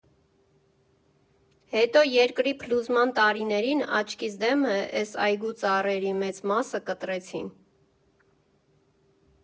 Հետո երկրի փլուզման տարիներին աչքիս դեմը էս այգու ծառերի մեծ մասը կտրեցին։